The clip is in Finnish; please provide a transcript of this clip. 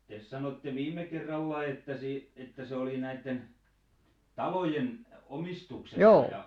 te sanotte viime kerralla että - että se oli näiden talojen omistuksessa ja